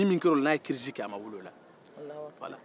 a binni min kɛra o la a ma wuli o la tugun